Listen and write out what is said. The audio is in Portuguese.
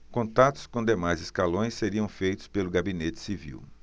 contatos com demais escalões seriam feitos pelo gabinete civil